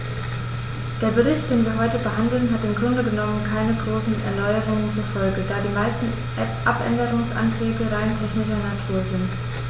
Der Bericht, den wir heute behandeln, hat im Grunde genommen keine großen Erneuerungen zur Folge, da die meisten Abänderungsanträge rein technischer Natur sind.